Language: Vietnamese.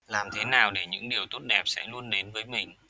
làm thế nào để những điều tốt đẹp sẽ luôn đến với mình